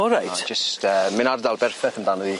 O reit. Ma' jyst yy mae'n ardal berffeth amdano ddi.